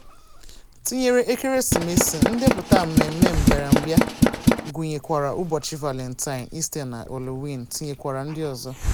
Tinyere ekeresimesi, ndepụta mmemme mbịarambịa gụnyekwara ụbọchị Valentine, Easter na Halloween, tinyekwara ndị ọzọ.